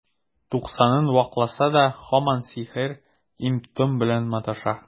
Туксанын вакласа да, һаман сихер, им-том белән маташа.